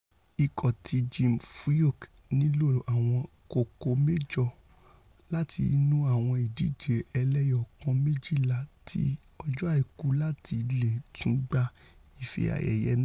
Ikọ̀ ti Jim Furyk nílò àwọn kókó mẹ́jọ láti inú àwọn ìdíje ẹlẹ́ẹyọkan méjìla ti ọjọ́ Àìkú láti leè tún gba ife-ẹ̀yẹ náà.